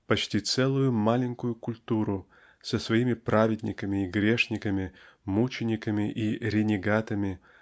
почти целую маленькую культуру со своими праведниками и грешниками мучениками и "ренегатами"